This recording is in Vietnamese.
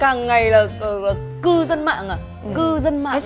càng ngày là cư dân mạng à cư dân mạng